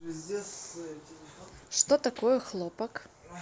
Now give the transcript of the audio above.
что такое хлопок